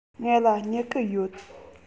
ང ལ སྨྱུ གུ ཡོད